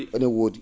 eno wodi